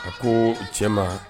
A ko cɛ ma